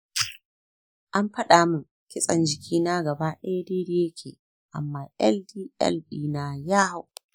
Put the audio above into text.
an faɗa min kitsen jiki na gaba ɗaya daidai ya ke amma ldl dina ya hau.